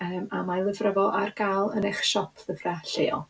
Yym a mae ei lyfrau fo ar gael yn eich siop lyfrau lleol.